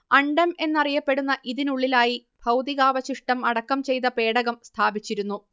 അണ്ഡം എന്നറിയപ്പെടുന്ന ഇതിനുള്ളിലായി ഭൗതികാവശിഷ്ടം അടക്കം ചെയ്ത പേടകം സ്ഥാപിച്ചിരുന്നു